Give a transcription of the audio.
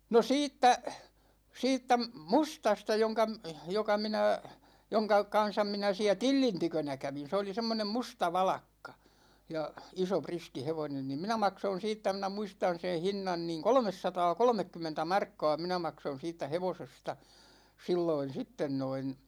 no siitä siitä mustasta jonka joka minä jonka kanssa minä siellä Tillin tykönä kävin se oli semmoinen musta valakka ja iso riski hevonen niin minä maksoin siitä minä muistan sen hinnan niin kolmesataakolmekymmentä markkaa minä maksoin siitä hevosesta silloin sitten noin